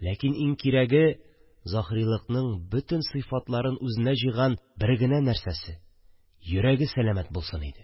Ләкин иң кирәге – Заһрилыкның бөтен сыйфатларын үзенә җыйган бер генә нәрсәсе – йөрәге сәләмәт булсын иде